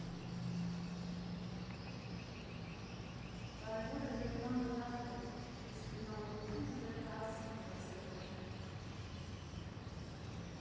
Կարևորը՝ Երևանը զարթնել է, իսկ բնավորությունը դեռ կհասցնի դրսևորել։